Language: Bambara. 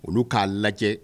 Olu k'a lajɛ